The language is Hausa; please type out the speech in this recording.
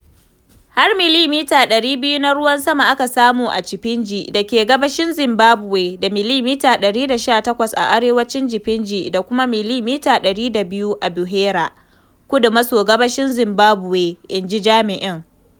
“Har millimita 200 na ruwan sama aka samu a Chipinge [da ke gabashin Zimbabwe] da millimita 118 a arewacin Chipinge da kuma millimita 102 a Buhera [kudu maso gabashin Zimbabwe],” in ji jami’in.